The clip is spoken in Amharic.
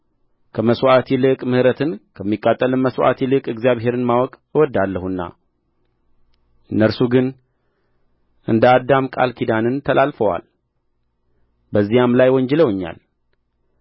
ከመሥዋዕት ይልቅ ምሕረትን ከሚቃጠልም መሥዋዕት ይልቅ እግዚአብሔርን ማወቅ እወድዳለሁና እነርሱ ግን እንደ አዳም ቃል ኪዳንን ተላልፈዋል በዚያም ላይ ወንጅለውኛል